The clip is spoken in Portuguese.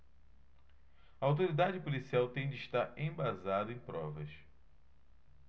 a autoridade policial tem de estar embasada em provas